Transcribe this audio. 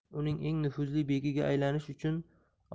uning eng nufuzli bekiga